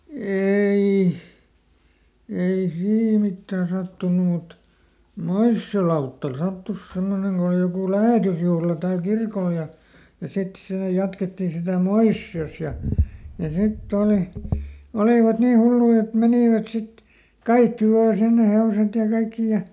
ei ei siinä mitään sattunut mutta Moision lautalla sattui semmoinen kun oli joku lähetysjuhla täällä kirkolla ja ja sitten se jatkettiin sitä Moisiossa ja ja sitten oli olivat niin hulluja että menivät sitten kaikki vain sinne hevoset ja kaikki ja